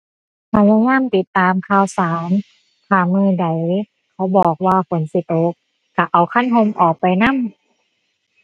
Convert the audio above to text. พยายามติดตามข่าวสาร ถ้ามื้อใดเขาบอกว่าฝนสิตก ก็เอาคันก็ออกไปนำ